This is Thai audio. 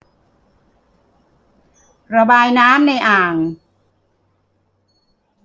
ระบายน้ำในอ่าง